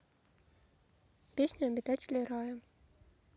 песня обитатели рая